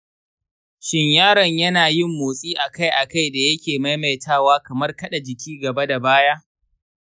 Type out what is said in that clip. shin yaron yana yin motsi akai-akai da yake maimaitawa kamar kaɗa jiki gaba da baya?